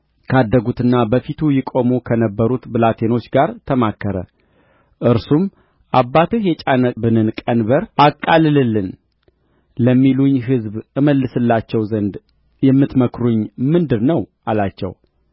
ካደጉትና በፊቱ ይቆሙ ከነበሩት ብላቴኖች ጋር ተማከረ እርሱም አባትህ የጫኑብንን ቀንበር አቃልልልን ለሚሉኝ ሕዝብ እመልስላቸው ዘንድ የምትመክሩኝ ምንድር ነው አላቸው